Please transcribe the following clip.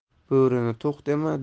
bo'rini to'q dema